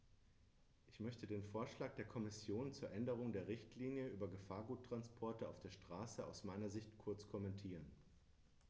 Ich möchte den Vorschlag der Kommission zur Änderung der Richtlinie über Gefahrguttransporte auf der Straße aus meiner Sicht kurz kommentieren.